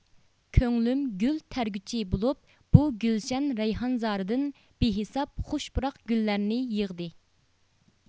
كۆڭلۈم گۈل تەرگۈچى بولۇپ بۇ گۈلشەن رەيھانزارىدىن بىھېساب خۇش پۇراق گۈللەرنى يىغدى